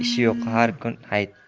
ishi yo'qqa har kun hayit